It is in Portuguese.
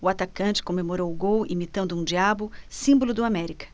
o atacante comemorou o gol imitando um diabo símbolo do américa